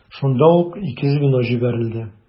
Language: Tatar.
Шунда ук ике звено җибәрелде.